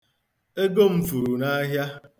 Ego m furu n'ahịa.